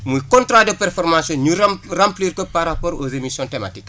muy contrat de performance yi ñu remplir ko par rapport aux émissions thématiques